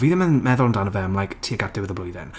Fi ddim yn meddwl amdano fe am like tuag at diwedd y blwyddyn.